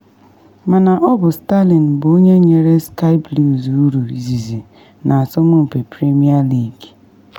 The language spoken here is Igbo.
Mana ọ bụ Sterling bụ onye nyere Sky Blues uru izizi na asọmpi Premier League.